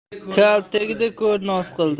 kal tegdi ko'r noz qildi